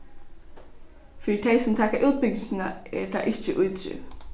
fyri tey sum taka útbúgvingina er tað ikki ítriv